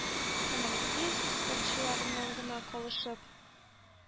Һәм алексеевск спортчыларыннан гына калышып,